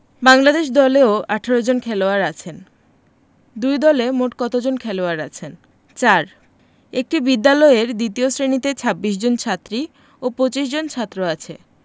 বাংলাদেশ দলেও ১৮ জন খেলোয়াড় আছেন দুই দলে মোট কতজন খেলোয়াড় আছেন ৪ একটি বিদ্যালয়ের দ্বিতীয় শ্রেণিতে ২৬ জন ছাত্রী ও ২৫ জন ছাত্র আছে